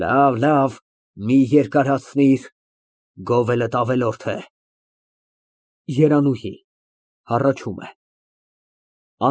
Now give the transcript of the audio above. Լավ, լավ, մի երկարացնիր, գովելդ ավելորդ է… ԵՐԱՆՈՒՀԻ ֊ (Հառաչում է)։